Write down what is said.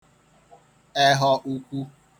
ẹhọ ukwu